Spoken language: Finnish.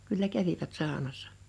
kyllä kävivät saunassa